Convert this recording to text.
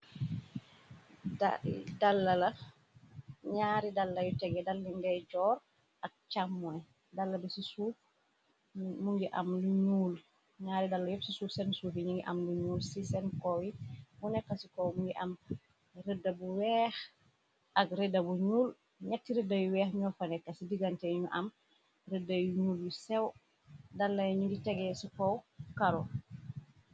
Nyaari dalla yu tegee dalli ngay joor ak càmmoe duñaari dalla yef ci suuf. Seen suuf yi ñu ngi am lu ñuul ci seen kow yi bu nekka ci kow. Mi ngi am rëdda bu weex ak rëda bu ñuul ñekti rëdda yu weex ñoo fa nekka. Ci digante ñu am rëda yu ñulu sew dallay ñu ngi tegee ci kow karo.